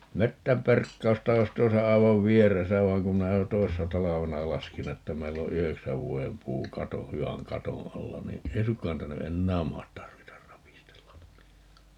metsänperkausta olisi tuossa aivan vieressä vaan kun minä jo toissa talvena laskin että meillä on yhdeksän vuoden puu katon hyvän katon alla niin ei suinkaan niitä nyt enää mahda tarvita rapistella niin